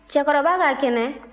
cɛkɔrɔba ka kɛnɛ